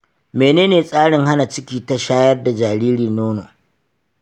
menene tsarin hana ciki ta shayar da jariri nono?